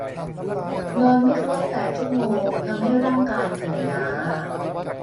นอนไม่ครบแปดชั่วโมงทำให้ร่างกายเหนื่อยล้า